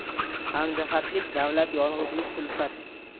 hamjihatlik davlat yolg'izlik kulfat